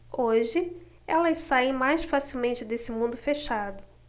hoje elas saem mais facilmente desse mundo fechado